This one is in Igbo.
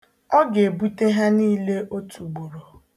Ọ ga-ebute ha niile otuugboro